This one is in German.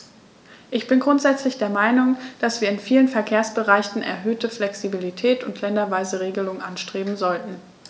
Ich bin grundsätzlich der Meinung, dass wir in vielen Verkehrsbereichen erhöhte Flexibilität und länderweise Regelungen anstreben sollten.